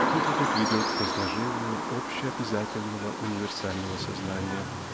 Путь этот ведет к разложению общеобязательного универсального сознания